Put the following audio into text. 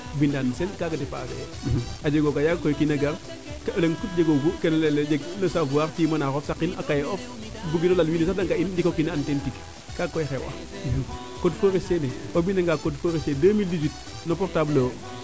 bindaan sen kaga depasser e a jego ga yaaga koy o kiina gar leng kut jego gu kena leyel le savoir saqin tiimana xoxof saqin a kaye of bugiro lal wiin we sax de ng'in ndiko kina an teen tig kaaga koy a xew'a code forestier ne o bina nga code forestier 2018 no portable o leewo